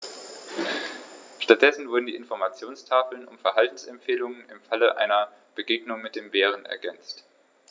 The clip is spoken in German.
Stattdessen wurden die Informationstafeln um Verhaltensempfehlungen im Falle einer Begegnung mit dem Bären ergänzt.